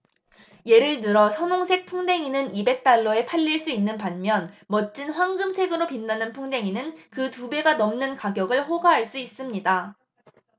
예를 들어 선홍색 풍뎅이는 이백 달러에 팔릴 수 있는 반면 멋진 황금색으로 빛나는 풍뎅이는 그 두 배가 넘는 가격을 호가할 수 있습니다